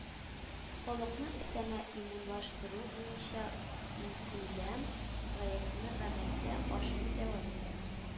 Халыкны өстәмә иммунлаштыру буенча илкүләм проектны гамәлгә ашыру дәвам итә